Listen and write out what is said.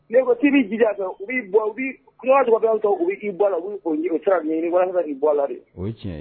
Ne ko' bɛ ji kan u bɔ kuma tɔgɔ u bɛ k'i bɔ la sira ni wa' bɔ la